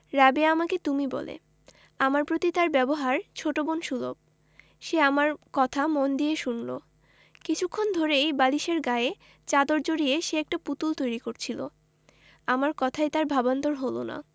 রাবেয়া আমাকে তুমি বলে আমার প্রতি তার ব্যবহার ছোট বোন সুলভ সে আমার কথা মন দিয়ে শুনলো কিছুক্ষণ ধরেই বালিশের গায়ে চাদর জড়িয়ে সে একটা পুতুল তৈরি করছিলো আমার কথায় তার ভাবান্তর হলো না